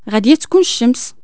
غاديا تكون الشمش